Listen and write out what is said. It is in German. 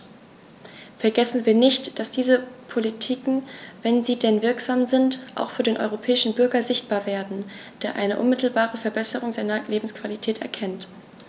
Vergessen wir nicht, dass diese Politiken, wenn sie denn wirksam sind, auch für den europäischen Bürger sichtbar werden, der eine unmittelbare Verbesserung seiner Lebensqualität erkennt!